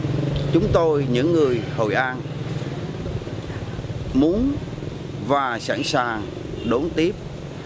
chúng tôi những người hội an muốn và sẵn sàng đón tiếp